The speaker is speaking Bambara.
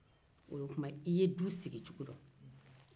o tuma i ye du sigicogo dɔn